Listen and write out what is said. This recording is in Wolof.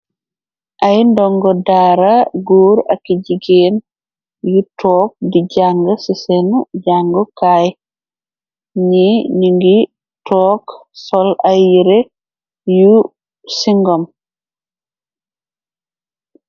Ay ndongo daara guur aki jigéen yu took di jàng ci seenu jangu kaay nini ngi took sol ay yere yu singom.